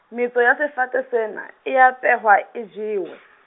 metso ya sefate sena, e a phehwa e jewe.